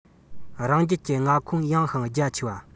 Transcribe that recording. རང རྒྱལ གྱི མངའ ཁོངས ཡངས ཤིང རྒྱ ཆེ བ